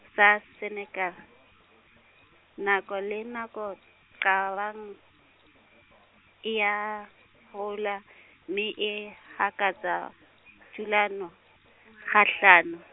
sa Senekal , nako le nako qabang, e a hola, mme e hakatsa thulano, kgahlano.